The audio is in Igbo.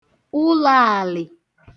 ulaalị